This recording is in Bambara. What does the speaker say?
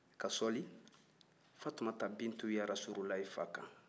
ka sɔli fatumata bintu ya arasulilahi fa kan